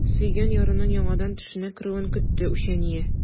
Сөйгән ярының яңадан төшенә керүен көтте үчәния.